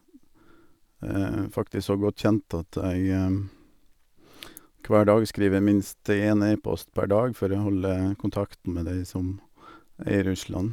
Faktisk så godt kjent at jeg hver dag skriver jeg minst én e-post per dag for å holde kontakten med de som er i Russland.